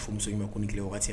Muso in ma ko tile waati